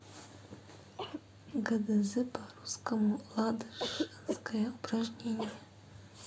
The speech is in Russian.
гдз по русскому ладыженская упражнение